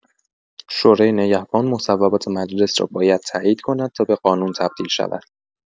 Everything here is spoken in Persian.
شورای نگهبان مصوبات مجلس را باید تایید کند تا به قانون تبدیل شود.